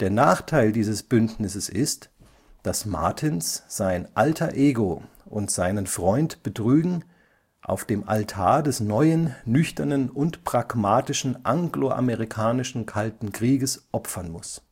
Nachteil dieses Bündnisses ist, dass Martins sein alter ego und seinen Freund betrügen […], auf dem Altar des neuen, nüchternen und pragmatischen anglo-amerikanischen Kalten Krieges opfern muss